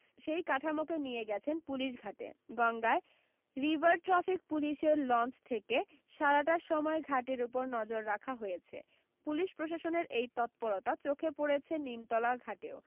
সেই কাঠামোকে নিয়ে গেছেন পুলিশ ঘাটে গঙ্গায় রিভার ট্রাফিক পুলিশের লঞ্চ থেকে সারাটা সময় ঘাটের উপর নজর রাখা হয়েছে পুলিশ প্রশাসনের এই তৎপরতা চোখে পড়েছে নিমতলা ঘাটেও